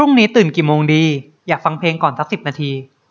พรุ่งนี้ตื่นกี่โมงดีอยากฟังเพลงก่อนซักสิบนาที